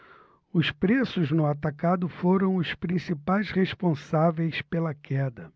os preços no atacado foram os principais responsáveis pela queda